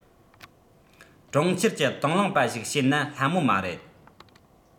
གྲོང ཁྱེར གྱི དང བླངས པ ཞིག བྱེད ན སླ མོ མ རེད